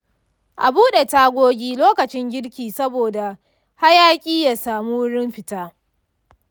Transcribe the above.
a bude tagogi lokacin girki saboda hayaki ya samu wurin fita